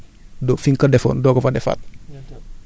moom la ñu def mais boo defee quatre cent kilos yooyu